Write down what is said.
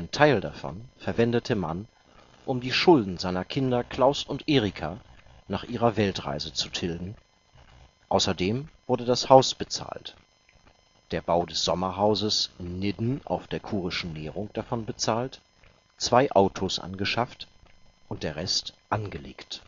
Teil davon verwendete Mann, um die Schulden seiner Kinder Klaus und Erika nach ihrer Weltreise zu tilgen, außerdem wurde das Haus bezahlt, der Bau des Sommerhauses in Nidden auf der Kurischen Nehrung davon bezahlt, zwei Autos angeschafft und der Rest angelegt